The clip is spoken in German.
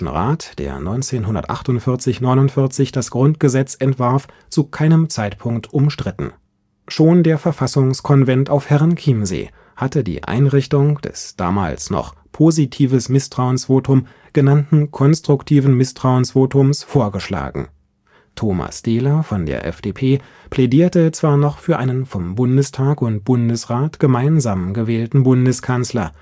Rat, der 1948 / 49 das Grundgesetz entwarf, zu keinem Zeitpunkt umstritten. Schon der Verfassungskonvent auf Herrenchiemsee hatte die Einrichtung des damals noch „ positives Misstrauensvotum “genannten konstruktiven Misstrauensvotums vorgeschlagen. Thomas Dehler von der FDP plädierte zwar noch für einen von Bundestag und Bundesrat gemeinsam gewählten Bundeskanzler